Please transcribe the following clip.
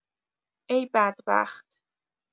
ای بدبخت